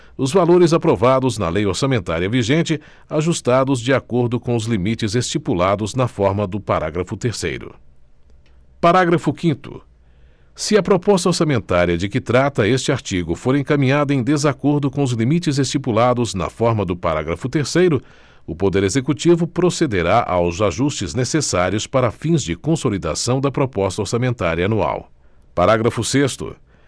os valores aprovados na lei orçamentária vigente ajustados de acordo com os limites estipulados na forma do parágrafo terceiro parágrafo quinto se a proposta orçamentária de que trata este artigo for encaminhada em desacordo com os limites estipulados na forma do parágrafo terceiro o poder executivo procederá aos ajustes necessários para fins de consolidação da proposta orçamentária anual parágrafo sexto